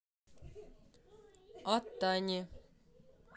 от тани